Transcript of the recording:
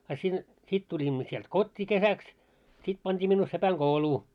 a sinne sitten tulimme sieltä kotiin kesäksi sitten pantiin minua sepänkouluun